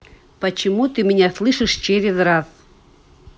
почему ты меня слышишь через раз